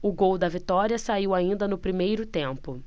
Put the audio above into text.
o gol da vitória saiu ainda no primeiro tempo